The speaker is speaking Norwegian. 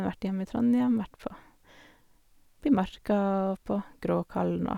Vært hjemme i Trondhjem, vært på oppi marka og på Gråkallen og...